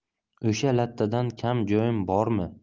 o'sha lattadan kam joyim bormi